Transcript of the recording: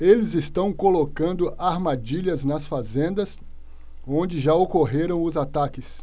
eles estão colocando armadilhas nas fazendas onde já ocorreram os ataques